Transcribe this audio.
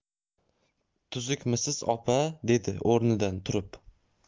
tuzukmisiz opa dedi o'rnidan turib